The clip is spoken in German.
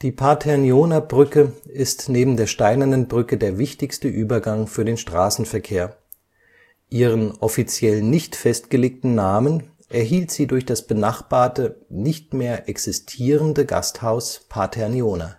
Paternioner Brücke ist neben der Steinernen Brücke der wichtigste Übergang für den Straßenverkehr. Ihren offiziell nicht festgelegten Namen erhielt sie durch das benachbarte, nicht mehr existierende Gasthaus Paternioner